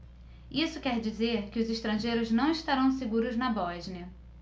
isso quer dizer que os estrangeiros não estarão seguros na bósnia